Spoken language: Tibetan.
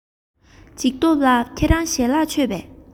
འཇིགས སྟོབས ལགས ཁྱེད རང ཞལ ལག མཆོད པས